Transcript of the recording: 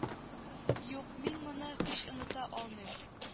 Юк мин моны һич оныта алмыйм